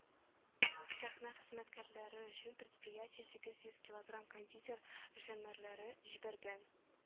Сәхнә хезмәткәрләре өчен предприятие сигез йөз килограмм кондитер эшләнмәләре җибәргән.